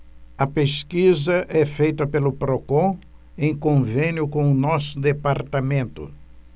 a pesquisa é feita pelo procon em convênio com o diese